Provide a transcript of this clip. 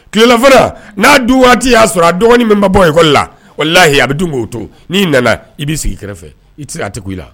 Tilelafana n'a duwaati y'a sɔrɔ a dɔgɔnin min ma bɔ école walahi a bɛ du k'o to, n'i nana i b'i sigi kɛrɛfɛ, i ti se a tɛ kun i la